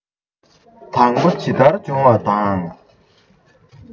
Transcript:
དང པོ ཇི ལྟར བྱུང བ དང